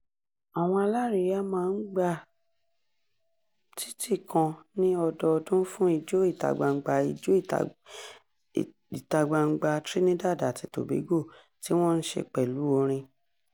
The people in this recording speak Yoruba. Àwọn alárìíyá máa ń gba títì kan ní ọdọọdún fún Ijó ìta-gbangba Ijó ìta-gbangba Trinidad àti Tobago, tí wọn ń ṣe pẹ̀lú orin.